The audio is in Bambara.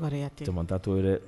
Caman taatɔ ye dɛ